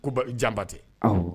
Ko janbate